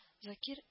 Закир